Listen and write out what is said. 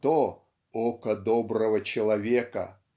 то "око доброго человека"